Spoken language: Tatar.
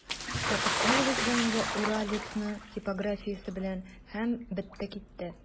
Сатып алыгыз да инде «Уралец»ны типографиясе белән, һәм бетте-китте!